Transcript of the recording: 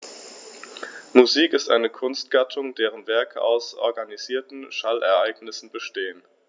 Musik ist eine Kunstgattung, deren Werke aus organisierten Schallereignissen bestehen.